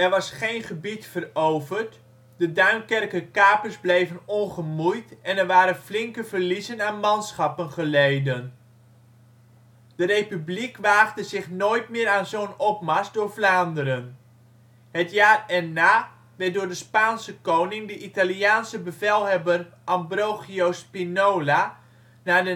was geen gebied veroverd, de Duinkerker kapers bleven ongemoeid en er waren flinke verliezen aan manschappen geleden. De Republiek waagde zich nooit meer aan zo 'n opmars door Vlaanderen. Het jaar erna werd door de Spaanse koning de Italiaanse bevelhebber Ambrogio Spinola naar